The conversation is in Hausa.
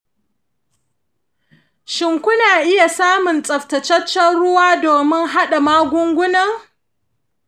shin kuna iya samun tsaftataccen ruwa domin hada magunguna?